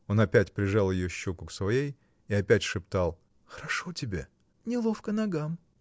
Он опять прижал ее щеку к своей и опять шептал: — Хорошо тебе? — Неловко ногам.